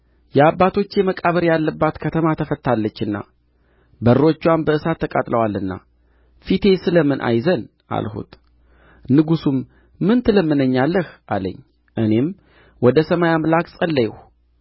የአባቶቼ መቃብር ያለባት ከተማ ተፈትታለችና በሮችዋም በእሳት ተቃጥለዋልና ፊቴ ስለ ምን አይዘን አልሁት ንጉሡም ምን ትለምነኛለህ አለኝ እኔም ወደ ሰማይ አምላክ ጸለይሁ